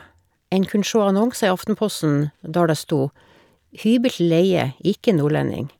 En kunne sjå annonser i Aftenposten der det stod Hybel til leie, ikke nordlending.